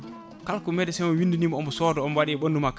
kala ko médecin o windanimo omo sooda omo waɗa e ɓamdu makko